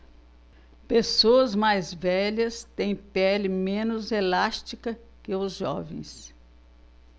pessoas mais velhas têm pele menos elástica que os jovens